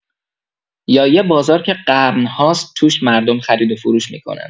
یا یه بازار که قرن‌هاست توش مردم خرید و فروش می‌کنن.